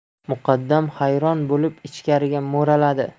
muqaddam hayron bo'lib ichkariga mo'raladi